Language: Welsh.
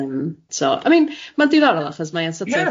Yym so I mean ma'n diddorol achos mae e'n sort of... Ie.